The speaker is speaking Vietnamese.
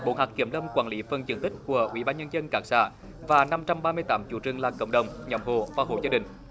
bộ hạt kiểm lâm quản lý phần diện tích của ủy ban nhân dân các xã và năm trăm ba mươi tám chủ rừng là cộng đồng nhóm hộ và hộ gia đình